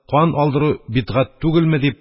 Кан алдыру бидгать түгелме?» – дип,